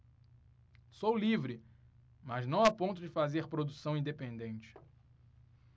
sou livre mas não a ponto de fazer produção independente